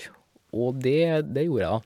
Og det det gjorde jeg, da.